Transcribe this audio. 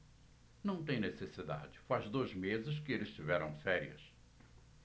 não tem necessidade faz dois meses que eles tiveram férias